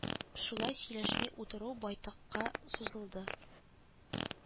Шулай сөйләшми утыру байтакка сузылды